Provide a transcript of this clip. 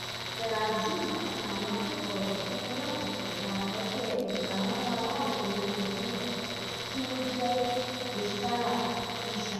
Abdel-Azim àti àwọn akẹ́kọ̀ọ́ rẹ̀ pinnu láti ṣẹ̀dá ẹgbẹ́ ìṣàánú aláìforúkọsílẹ̀ tí ó ń jẹ́ Resala (Mission).